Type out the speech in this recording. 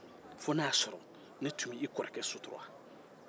fo n'a y'a sɔrɔ ne tun ma i kɔrɔkɛ sutura